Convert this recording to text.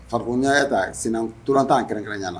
Farakoya ye ta sen tora' kɛlɛrɛnɲa na